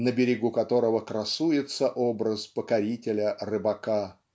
на берегу которого красуется образ покорителя-рыбака